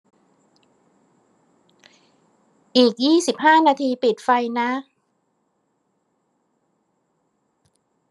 อีกยี่สิบห้านาทีปิดไฟนะ